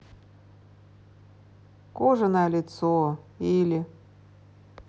кожаное лицо или